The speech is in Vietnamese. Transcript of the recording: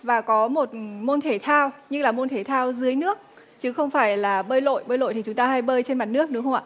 và có một môn thể thao như là môn thể thao dưới nước chứ không phải là bơi lội bơi lội thì chúng ta hay bơi trên mặt nước đúng không ạ